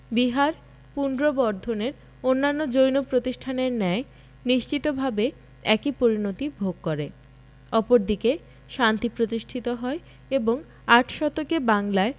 বিহার পুন্ড্রবর্ধনের অন্যান্য জৈন প্রতিষ্ঠানের ন্যায় নিশ্চতভাবে একই পরিণতি ভোগ করে অবশেষে শান্তি প্রতিষ্ঠিত হয় এবং আট শতকে বাংলায়